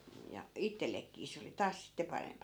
ja itsellekin se oli taas sitten parempi